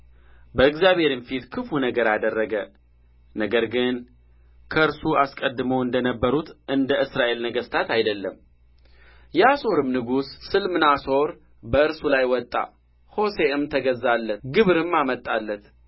በእግዚአብሔርም ፊት ክፉ ነገር አደረገ ነገር ግን ከእርሱ አስቀድሞ እንደ ነበሩት እንደ እስራኤል ነገሥታት አይደለም የአሦርም ንጉሥ ስልምናሶር በእርሱ ላይ ወጣ ሆሴዕም ተገዛለት ግብርም አመጣለት